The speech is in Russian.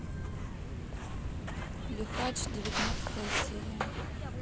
лихач девятнадцатая серия